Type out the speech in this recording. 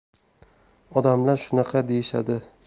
odamlar shunaqa deyishadi